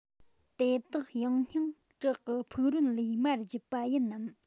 དེ དག ཡང སྙིང བྲག གི ཕུག རོན ལས མར བརྒྱུད པ ཡིན ནམ